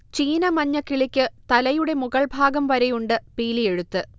ചീന മഞ്ഞക്കിളിക്ക് തലയുടെ മുകൾഭാഗം വരെയുണ്ട് പീലിയെഴുത്ത്